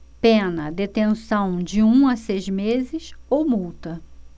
pena detenção de um a seis meses ou multa